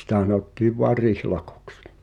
sitä sanottiin vain rihlakoksi